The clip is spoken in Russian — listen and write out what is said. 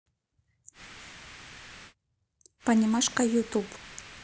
понимашка ютуб